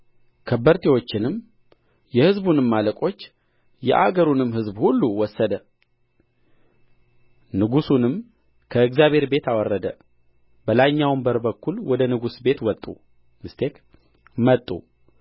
ከበርቴዎቹንም የሕዝቡንም አለቆች የአገሩንም ሕዝብ ሁሉ ወሰደ ንጉሡንም ከእግዚአብሔር ቤት አወረደ በላይኛውም በር በኩል ወደ ንጉሡ ቤት መጡ